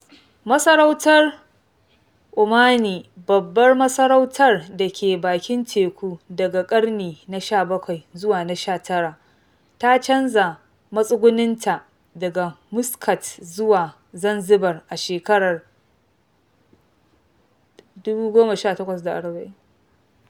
Masarautar Omani "babbar masarautar da ke bakin teku daga ƙarni na 17 zuwa na 19" ta canja matsuguninta daga Muscat zuwa Zanzibar a shekarar 1840.